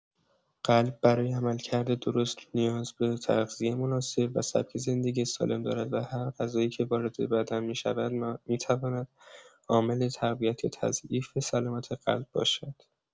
قلب برای عملکرد درست نیاز به تغذیه مناسب و سبک زندگی سالم دارد و هر غذایی که وارد بدن می‌شود می‌تواند عامل تقویت یا تضعیف سلامت قلب باشد.